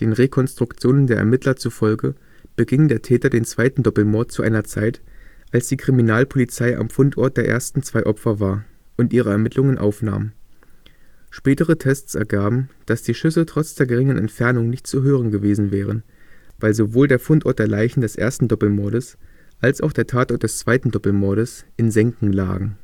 Rekonstruktionen der Ermittler zufolge beging der Täter den zweiten Doppelmord zu einer Zeit, als die Kriminalpolizei am Fundort der ersten zwei Opfer war und ihre Ermittlungen aufnahm. Spätere Tests ergaben, dass Schüsse trotz der geringen Entfernung nicht zu hören gewesen wären, weil sowohl der Fundort der Leichen des ersten Doppelmordes als auch der Tatort des zweiten Doppelmordes in Senken lagen